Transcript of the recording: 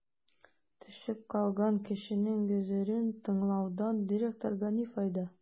Төшеп калган кешенең гозерен тыңлаудан директорга ни файда?